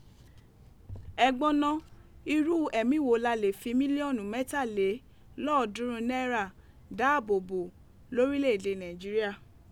Ẹ gbọ́ ná, iru ẹ́mi wo la lee fi mílíọ́nù mẹ́tàlélọ́ọ̀dúnrún náírà dáàbò bo lorílè èdè Nàìjíríà?